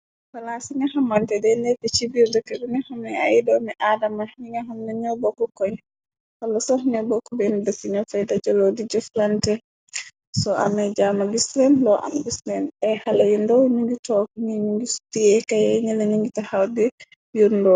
Wala ci ñgaxamante denleeti ci biir dëkka duni xame ay doomi aadama, ñi nga xam nañoo bokk koñ, xala sox ño bokk benn dasi, ña fay dajaloo di jëflante, soo ame jano bis leen loo am bis leen, ay xale yi ndoow ñu ju took ñiñ ngu styee kaye, ñë lañu ngi taxaw di biirndoo.